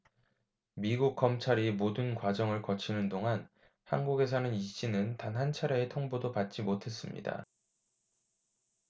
미국 검찰이 모든 과정을 거치는 동안 한국에 사는 이 씨는 단 한차례의 통보도 받지 못했습니다